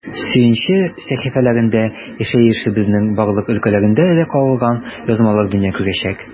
“сөенче” сәхифәләрендә яшәешебезнең барлык өлкәләренә дә кагылган язмалар дөнья күрәчәк.